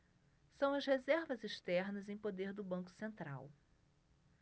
são as reservas externas em poder do banco central